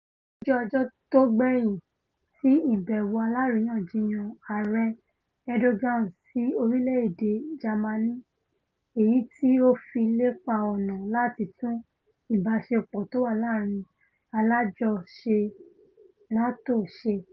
Ó jẹ́ ọjọ tó gbẹ̀yìn ti ìbẹ̀wò aláàríyànjiyàn Aàrẹ Erdogan sí orílẹ̀-èdè Jamani - èyití ó fi lépa ọ̀nà láti tún ìbáṣepọ̀ tówà láàrin alájọṣe NATO ṣe.